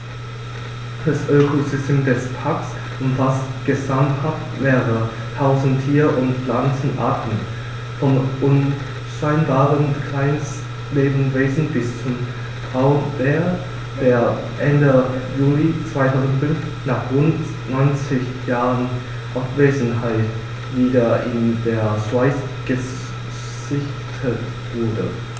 Das Ökosystem des Parks umfasst gesamthaft mehrere tausend Tier- und Pflanzenarten, von unscheinbaren Kleinstlebewesen bis zum Braunbär, der Ende Juli 2005, nach rund 90 Jahren Abwesenheit, wieder in der Schweiz gesichtet wurde.